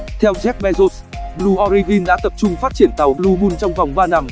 theo jeff bezos blue origin đã tập trung phát triển tàu blue moon trong vòng năm